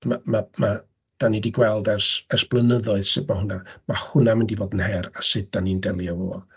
Ma' ma' ma' dan ni 'di gweld ers ers blynyddoedd sut ma' hwnna, ma' hwnna'n mynd i fod yn her, a sut dan ni'n delio efo fo.